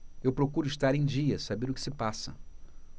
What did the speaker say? eu procuro estar em dia saber o que se passa